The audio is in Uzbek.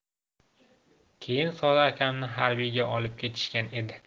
keyin sodiq akamni harbiyga olib ketishgan edi